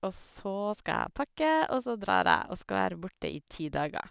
Og så skal jeg pakke, og så drar jeg og skal være borte i ti dager.